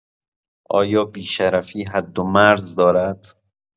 آیا بی‌شرفی حد و مرز دارد؟